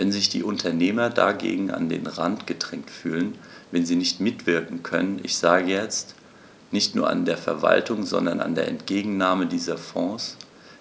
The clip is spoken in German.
Wenn sich die Unternehmer dagegen an den Rand gedrängt fühlen, wenn sie nicht mitwirken können ich sage jetzt, nicht nur an der Verwaltung, sondern an der Entgegennahme dieser Fonds ,